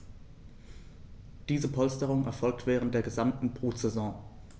Diese Polsterung erfolgt während der gesamten Brutsaison.